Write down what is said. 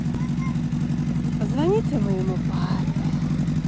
позвоните моему папе